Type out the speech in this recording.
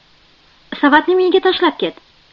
savatni menga tashlab ket